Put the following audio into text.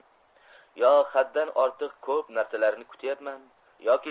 yo haddan ortiq ko'p narsalarni kutyapman yoki